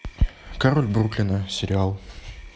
король бруклина сериал